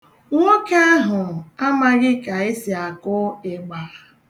Nwoke ahụ amaghị ka esi akụ ịgba.